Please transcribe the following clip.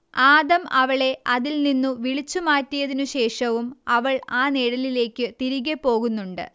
ആദം അവളെ അതിൽ നിന്നു വിളിച്ചു മാറ്റിയതിനു ശേഷവും അവൾ ആ നിഴലിലേയ്ക്ക് തിരികേ പോകുന്നുണ്ട്